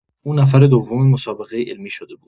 او نفر دوم مسابقۀ علمی شده بود.